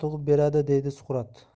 tug'ib beradi deydi suqrot